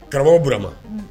Karamɔgɔw bma